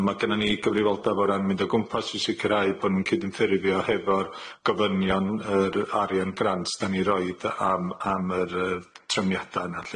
On' ma' gynnan ni gyfrifoldab o ran mynd o gwmpas i sicirhau bo' nw'n cydymffurfio hefo'r gofynion yr arian grant 'dan ni roid am am yr yy trefniada' yna lly.